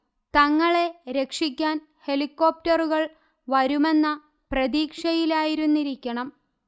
തങ്ങളെ രക്ഷിക്കാൻ ഹെലികോപ്റ്ററുകൾ വരുമെന്ന പ്രതീക്ഷയിലായിരുന്നിരിക്കണം